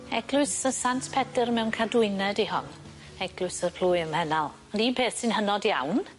Eglwys y Sant Pedyr Mewn Cadwyne 'di hon. Eglwys y plwy ym Mhennal. Ond un peth sy'n hynod iawn